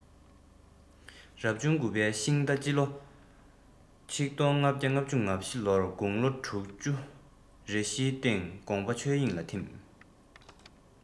རབ བྱུང དགུ བའི ཤིང རྟ ཕྱི ལོ ༡༥༥༤ ལོར དགུང ལོ དྲུག ཅུ རེ བཞིའི སྟེང དགོངས པ ཆོས དབྱིངས སུ འཐིམས